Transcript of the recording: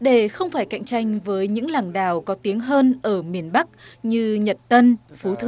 để không phải cạnh tranh với những làng đào có tiếng hơn ở miền bắc như nhật tân phú thượng